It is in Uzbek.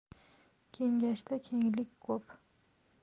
kengashda kenglik ko'p